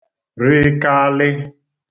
rikalị